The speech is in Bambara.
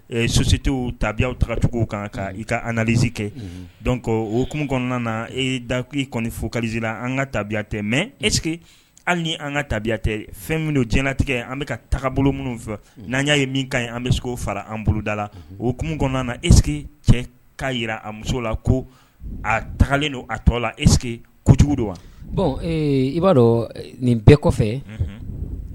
Sosite tabiyaw tagacogo kan ka kaz kɛ dɔn kɔ oumu kɔnɔna na e daki i kɔni fo kaliina an ka tabiyatɛ mɛ e an ni an ka tabiyatɛ fɛn minnu don jtigɛ an bɛka ka taga bolo minnu fɛ n'an y'a ye min ka ye an bɛ sogo fara an boloda la oumu kɔnɔna na ese cɛ ka jira a muso la ko a tagalen don a tɔ la e kojugu don wa i b'a dɔn nin bɛɛ kɔfɛ